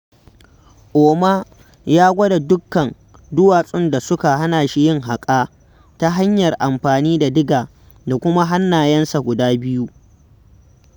Ouma ya gwada dukan duwatsun da suka hana shi yin haƙa ta hanyar amfani da diga da kuma hannayesa guda biyu.